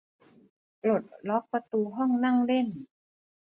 ปลดล็อกประตูห้องนั่งเล่น